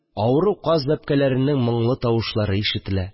Авыру каз бәбкәләренең моңлы тавышлары ишетелә